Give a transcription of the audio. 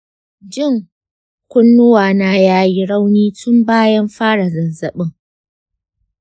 jin kunnuwana ya yi rauni tun bayan fara zazzabin.